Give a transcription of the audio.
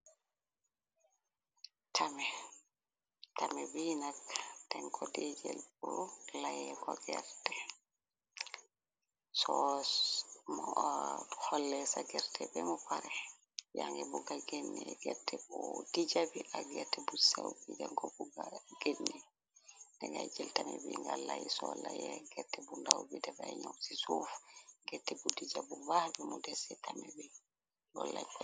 Tame bi nak tenko di jël bu layee ko gerte soos mo xolle ca gerte bemu pare yàngi bugga genne gette bu dija bi ak gette bu sew bida go bugga genne dengay jël tame bi nga lay soo layee gerte bu ndàw bi debay ñow ci suuf gete bu dija bu baax bi mu desce tame bi lolay.